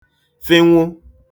fịnwụ